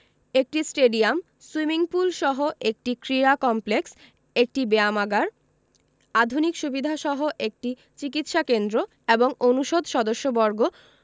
একটি stadium swimming পুলসহ একটি ক্রীড়া কমপ্লেক্স একটি ব্যায়ামাগার আধুনিক সুবিধাসহ একটি চিকিৎসা কেন্দ্র এবং অনুষদ সদস্যবর্গ